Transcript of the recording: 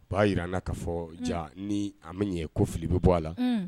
Baa jira n ka fɔ ja ni an ma ɲi ko fili bɛ bɔ a la